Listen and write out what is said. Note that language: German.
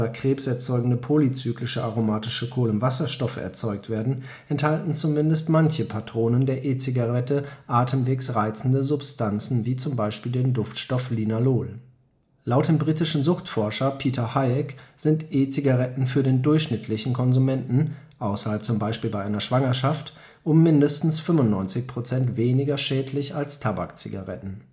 krebserzeugende polyzyklische aromatische Kohlenwasserstoffe erzeugt werden, enthalten zumindest manche Patronen der E-Zigarette atemwegsreizende Substanzen wie z. B. den Duftstoff Linalool. Laut dem britischen Suchtforscher Peter Hajek sind E-Zigaretten für den durchschnittlichen Konsumenten – außerhalb zum Beispiel bei einer Schwangerschaft – um mindestens 95 % weniger schädlich als Tabakzigaretten